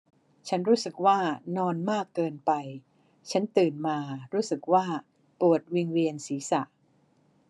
ฉันรู้สึกว่านอนมากเกินไปฉันตื่นมารู้สึกว่าปวดวิงเวียนศีรษะ